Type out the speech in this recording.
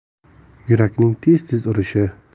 yurakning tez tez urishi